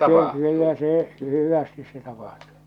no kyllä se hyvästi se tapahtuu